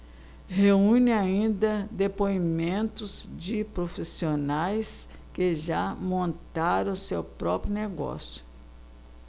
reúne ainda depoimentos de profissionais que já montaram seu próprio negócio